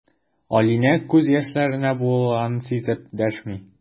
Алинә күз яшьләренә буылганын сизеп дәшми.